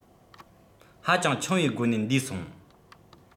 ཧ ཅང ཆུང བའི སྒོ ནས འདས སོང